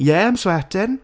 Yeah, I'm sweating,